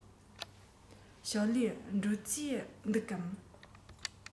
ཞའོ ལིའི འགྲོ རྩིས འདུག གམ